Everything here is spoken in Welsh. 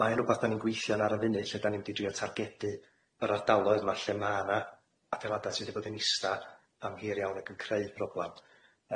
Mae'n rwbath 'dan ni'n gweithio yn ar y funud lle 'dan ni'n mynd i drio targedu yr ardaloedd 'ma lle ma' 'na adeilada sydd 'di bod yn ista am hir iawn ag yn creu problam.